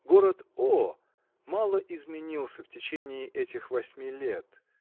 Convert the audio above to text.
Город О. мало изменился в течение этих восьми лет